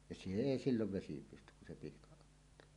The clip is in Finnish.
ja se ei silloin vesi pysty kun se pihka ottaa